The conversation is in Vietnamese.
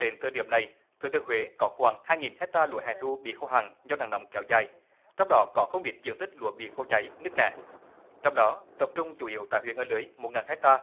đến thời điểm này thừa thiên huế có khoảng hai nghìn héc ta lúa hè thu bị khô hạn do nắng nóng kéo dài trong đó có không biết diện tích lúa bị khô cháy nứt nẻ trong đó tập trung chủ yếu tại huyện a lưới một ngàn héc ta